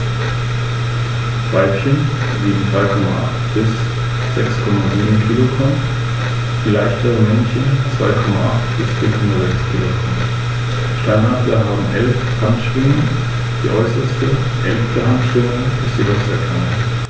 Der bislang einzige Nationalpark der Schweiz verfolgt drei Ziele: Naturschutz, Forschung und Information.